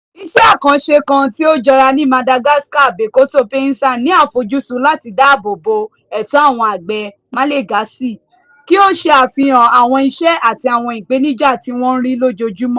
Iṣẹ́ àkànṣe kan tí ó jọra ní Madagascar, Bekoto Paysans, ní àfojúsùn láti dáàbò bo ẹ̀tọ́ àwọn àgbẹ̀ Malagasy, kí ó ṣe àfihàn àwọn iṣẹ́ àti àwọn ìpènijà tí wọ́n ń rí lójoojúmọ́ (fr).